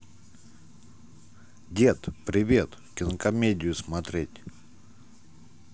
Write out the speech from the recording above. дед привет кинокомедия смотреть